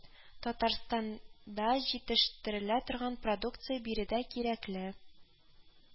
Татарстан да җитештерелә торган продукция биредә кирәкле